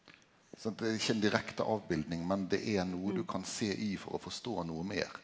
sant det er ikkje ein direkte avbilding, men det er noko du kan sjå i for å forstå noko meir.